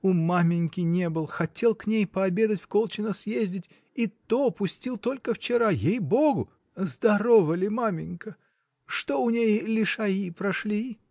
У маменьки не был: хотел к ней пообедать в Колчино съездить — и то пустил только вчера, ей-богу. — Здорова ли маменька? Что, у ней лишаи прошли?